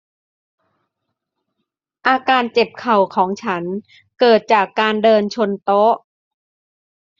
อาการเจ็บเข่าของฉันเกิดจากการเดินชนโต๊ะ